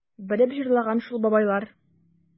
Белеп җырлаган шул бабайлар...